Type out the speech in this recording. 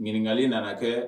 Ɲininkakali nana kɛ